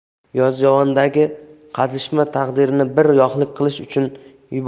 yozyovondagi qazishma taqdirini bir yoqlik qilish